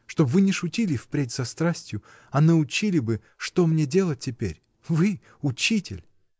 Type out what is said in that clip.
Чтоб вы не шутили вперед с страстью, а научили бы, что мне делать теперь, — вы, учитель!.